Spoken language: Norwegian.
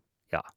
Ja.